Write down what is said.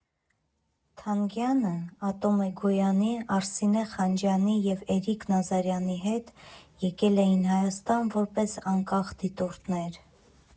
Թանգյանը՝ Ատոմ Էգոյանի, Արսինե Խանջյանի և Էրիկ Նազարյանի հետ եկել էին Հայաստան որպես անկախ դիտորդներ։